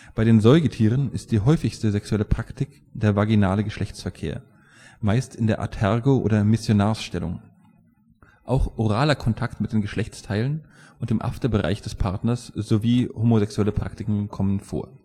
Bei den Säugetieren ist die häufigste sexuelle Praktik der vaginale Geschlechtsverkehr -- meist in der a-tergo oder „ Missionarsstellung “. Auch oraler Kontakt mit den Geschlechtsteilen und dem Afterbereich des Partners so wie homosexuelle Praktiken kommen vor